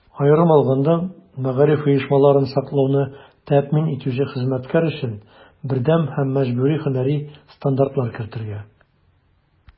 Аерым алганда, мәгариф оешмаларын саклауны тәэмин итүче хезмәткәр өчен бердәм һәм мәҗбүри һөнәри стандартлар кертергә.